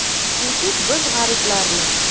nechuk biz g'ariblarni